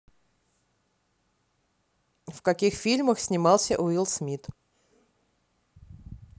в каких фильмах снимался уилл смит